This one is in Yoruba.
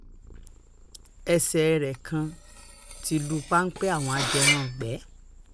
Ẹsẹ̀ẹ rẹ̀ kan ti lu páḿpẹ́ àwọn ajérangbépa.